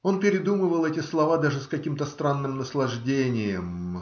Он передумывал эти слова даже с каким-то странным наслаждением.